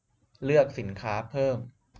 เลือกสินค้าเพิ่ม